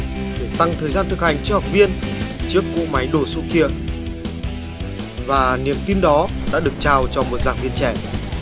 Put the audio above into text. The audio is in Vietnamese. để tăng thời gian thực hành cho học viên trước cỗ máy đồ sộ kia và niềm tin đó đã được trao cho một giảng viên trẻ